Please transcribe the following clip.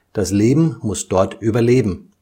Das Leben muss dort überleben